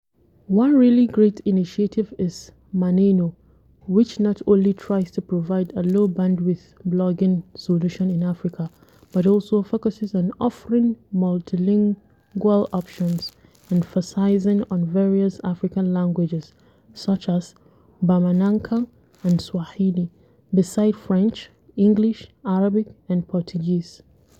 One really great initiative is Maneno, which not only tries to provide a low bandwidth blogging solution in Africa, but also focuses on offering multilingual options emphasising on various African languages such as Bamanankan and Swahili, beside French, English, Arabic and Portuguese.